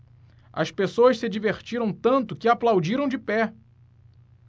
as pessoas se divertiram tanto que aplaudiram de pé